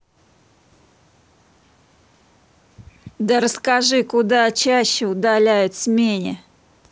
да расскажи куда чаще удаляют смени